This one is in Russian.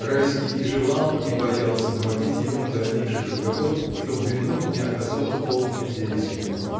Райский и желал, и боялся наводить его на дальнейший разговор, чтоб вино не оказало полного действия.